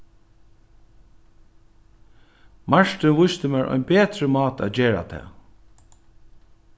martin vísti mær ein betri máta at gera tað